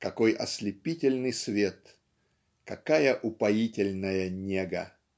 Какой ослепительный свет, какая упоительная нега!